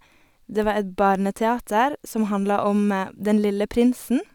Det var et barneteater som handla om den lille prinsen.